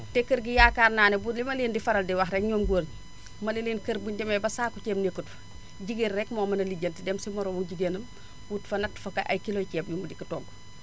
te kër gi yaakaar naa ne bu li ma leen di faral di wax rek ñoom góor ñi mane leen kër buñu demee ba saako ceeb nekkatu fa jigéen rek moo mën a lijanti dem si moromu jigéenam wut fa natt fa ay kiloy ceeb mu indi ko togg